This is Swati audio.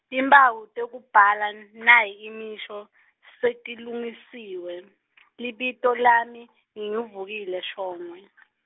timphawu tekubhala n- nayi imisho, setilungisiwe , libito lami, nginguVukile Shongwe .